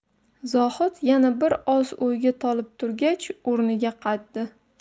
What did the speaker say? zohid yana bir oz o'yga tolib turgach o'rniga qaytdi